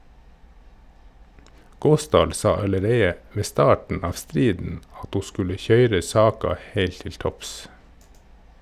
Gåsdal sa allereie ved starten av striden at ho skulle køyre saka heilt til topps.